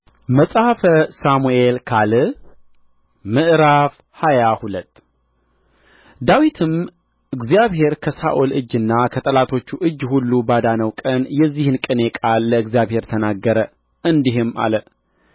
መጽሐፈ ሳሙኤል ካል ምዕራፍ ሃያ ሁለት ዳዊትም እግዚአብሔር ከሳኦል እጅና ከጠላቶቹ እጅ ሁሉ ባዳነው ቀን የዚህን ቅኔ ቃል ለእግዚአብሔር ተናገረ እንዲህም አለ